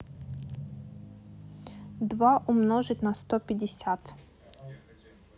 два умножить на сто пятьдесят